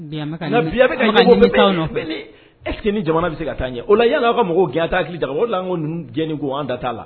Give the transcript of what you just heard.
E ni jamana bɛ se ka taa o la yala'a ka mako gɛn t' hakili jamana o la jeni an da t'a la